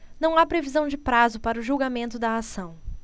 não há previsão de prazo para o julgamento da ação